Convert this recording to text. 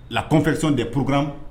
La confection des programmes